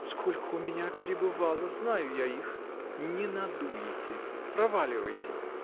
Сколько у меня перебывало — знаю я их! Не надуете! Проваливайте!